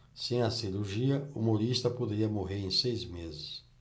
sem a cirurgia humorista poderia morrer em seis meses